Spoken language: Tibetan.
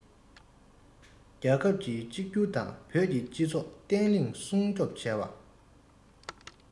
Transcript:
རྒྱལ ཁབ ཀྱི གཅིག གྱུར དང བོད ཀྱི སྤྱི ཚོགས བརྟན ལྷིང སྲུང སྐྱོང བྱས པ